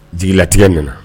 Jigilatigɛ nana